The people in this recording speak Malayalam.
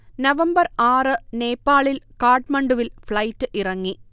നവംബർ ആറ് നേപ്പാളിൽ കാഠ്മണ്ഡുവിൽ ഫ്ളൈറ്റ് ഇറങ്ങി